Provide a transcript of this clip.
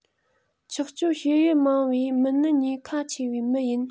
ཆགས སྤྱོད བྱེད ཡུལ མང བའི མི ནི ཉེ ཁ ཆེ བའི མི ཡིན